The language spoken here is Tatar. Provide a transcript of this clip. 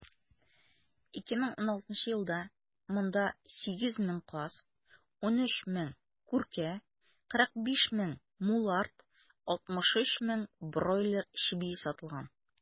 2016 елда монда 8 мең каз, 13 мең күркә, 45 мең мулард, 63 мең бройлер чебие сатылган.